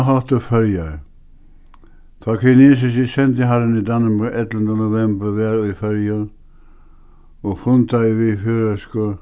hótti føroyar tá kinesiski sendiharrin í ellinta novembur var í føroyum og við føroysku